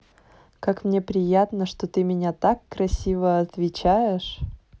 как мне приятно что ты меня так красиво отвечаешь